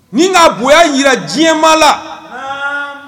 Ni k'a bonya jira diɲɛmaa la, naamu.